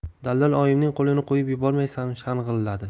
dallol oyimning qo'lini qo'yib yubormay shang'illadi